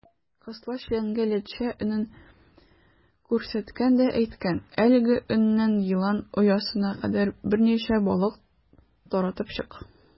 Кысла челәнгә ләтчә өнен күрсәткән дә әйткән: "Әлеге өннән елан оясына кадәр берничә балык таратып чык".